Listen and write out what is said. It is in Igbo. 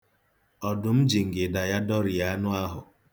Ọdụm ji ngịda ya dọrie anụ ahụ.